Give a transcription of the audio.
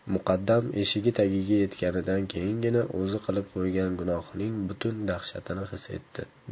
muqaddam eshigi tagiga yetganidan keyingina o'zi qilib qo'ygan gunohning butun dahshatini his etdi